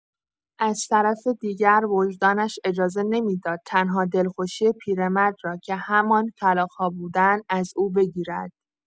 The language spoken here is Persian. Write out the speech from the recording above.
از طرف دیگر وجدانش اجازه نمی‌داد تنها دلخوشی پیرمرد را که همان کلاغ‌ها بودند، از او بگیرد.